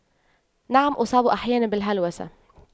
نعم اصاب أحيانا بالهلوسة